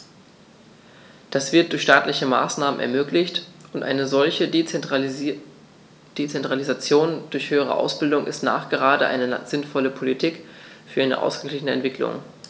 Das wird durch staatliche Maßnahmen ermöglicht, und eine solche Dezentralisation der höheren Ausbildung ist nachgerade eine sinnvolle Politik für eine ausgeglichene Entwicklung.